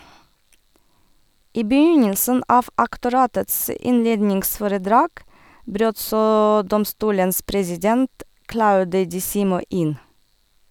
I begynnelsen av aktoratets innledningsforedrag brøt så domstolens president Claude Disimo inn.